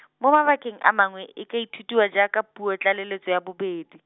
mo mabakeng a mangwe e ka ithutiwa jaaka puo tlaleletso ya bobedi.